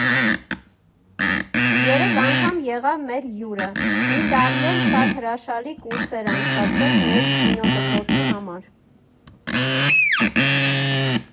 Երեք անգամ եղավ մեր հյուրը, մի տարի էլ շատ հրաշալի կուրսեր անցկացրեց մեր կինոդպրոցի համար։